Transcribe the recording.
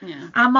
Ie.